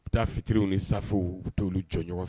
U bɛ taa fitiriw ni safo u to jɔ ɲɔgɔn fɛ